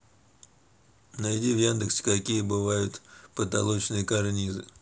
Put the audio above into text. найди в яндексе какие бывают потолочные карнизы